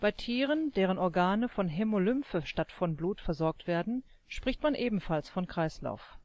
Tieren, deren Organe von Hämolymphe statt von Blut versorgt werden, spricht man ebenfalls von Kreislauf